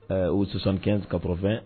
O sisansan kɛ kapfɛn